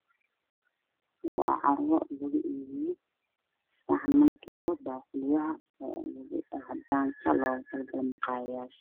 Waa caro lagu iibiyo saxnaanka caddaanka iyo booqolyaha caddaanka loogu talagalay maqaayadaha